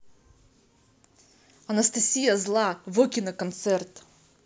анастасия зла вокина концерт